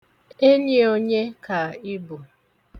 Enyi onye ka ị bụ?